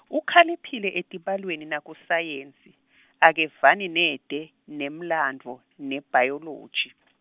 Ukhaliphile etibalweni nakusayensi, akevani nete, nemlandvo, nebhayoloji .